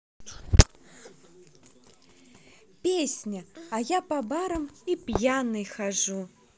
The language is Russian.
песня а я по барам и пьяный хожу